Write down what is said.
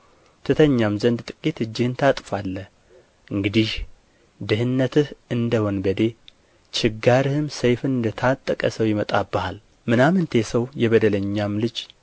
ትተኛም ዘንድ ጥቂት እጅህን ታጥፋለህ እንግዲህ ድህነትህ እንደ ወንበዴ ችጋርህም ሰይፍ እንደ ታጠቀ ሰው ይመጣብሃል ምናምንቴ ሰው የበደለኛም ልጅ